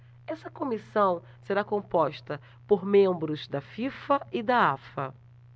essa comissão será composta por membros da fifa e da afa